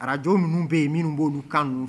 Araj minnu bɛ yen minnu b'oolu kan